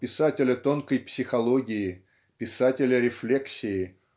писателя тонкой психологии писателя рефлексии